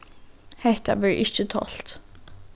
hetta verður ikki tolt